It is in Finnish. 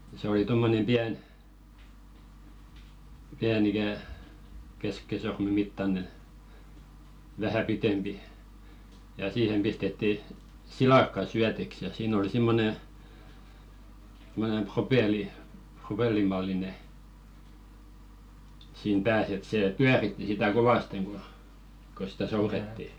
se oli tuommoinen pieni pieni ikään keskisormen mittainen vähän pitempi ja siihen pistettiin silakka syötiksi ja siinä oli semmoinen semmoinen - propellin mallinen siinä päässä että se pyöritti sitä kovasti kun kun sitä soudettiin